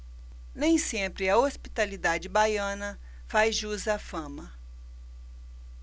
nem sempre a hospitalidade baiana faz jus à fama